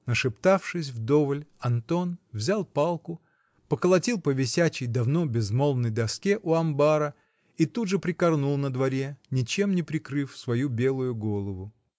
Нашептавшись вдоволь, Антон взял палку, поколотил по висячей, давно безмолвной доске у амбара и тут же прикорнул на дворе, ничем не прикрыв свою белую голову.